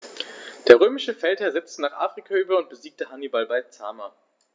Der römische Feldherr setzte nach Afrika über und besiegte Hannibal bei Zama.